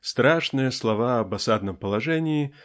-- страшные слова об "осадном положении"